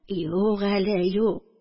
Юк әле, юк